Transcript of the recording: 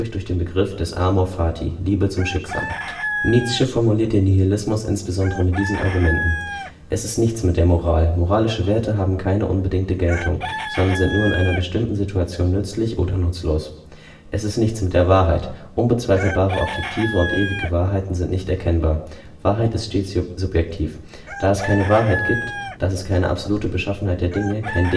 durch den Begriff des amor fati („ Liebe zum Schicksal “). Nietzsche formuliert den Nihilismus insbesondere mit diesen Argumenten: Es ist nichts mit der Moral: Moralische Werte haben keine unbedingte Geltung, sondern sind nur in einer bestimmten Situation nützlich oder nutzlos. Es ist nichts mit der Wahrheit: Unbezweifelbare, objektive und ewige Wahrheiten sind nicht erkennbar. Wahrheit ist stets subjektiv. „ Dass es keine Wahrheit giebt; dass es keine absolute Beschaffenheit der Dinge, kein